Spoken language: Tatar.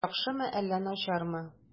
Яхшымы әллә начармы?